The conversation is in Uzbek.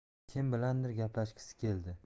kim bilandir gaplashgisi keldi